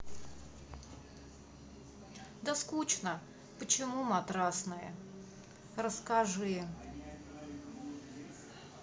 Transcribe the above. да скучно почему матрасные расскажи